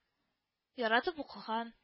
Яратып укыган